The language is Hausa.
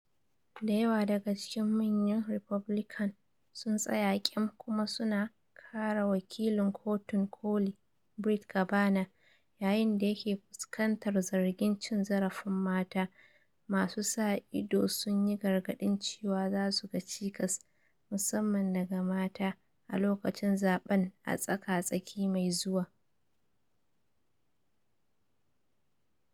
Da yawa daga cikin manya Republican sun tsaya kyam kuma su na kare wakilin Kotun Koli Brett Kavanaugh yayin da yake fuskantar zargin cin zarafin mata, masu sa ido sun yi gargadin cewa za su ga cikas, musamman daga mata, a lokacin zaɓen a tsaka-tsaki mai zuwa.